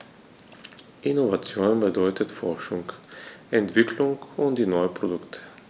Innovation bedeutet Forschung, Entwicklung und neue Produkte.